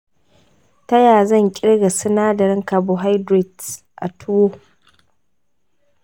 ta ya zan kirga sinadarin carbohydrates a tuwo?